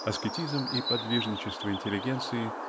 Аскетизм и подвижничество интеллигенции